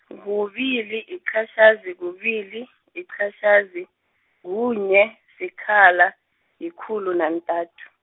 kubili, liqhatjhazi, kubili, liqhatjhazi, kunye, sikhala, yikhulu, nantathu.